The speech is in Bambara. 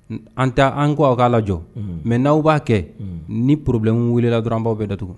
An taa an kɔ aw k' la jɔ mɛ n'aw b'a kɛ ni porobilen wulilala dɔrɔnbaww bɛ da tugun